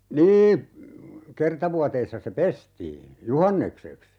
niin kerta vuoteissa se pestiin juhannukseksi